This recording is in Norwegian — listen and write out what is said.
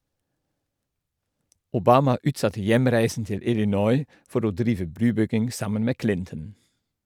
Obama utsatte hjemreisen til Illinois for å drive brubygging sammen med Clinton.